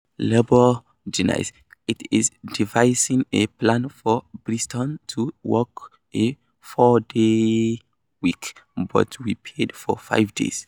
Labour denies it is devising a plan for Britons to work a four day week but be paid for five days